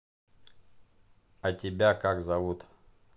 а тебя как зовут